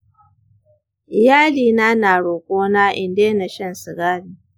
iyalina na roƙona in daina shan sigari.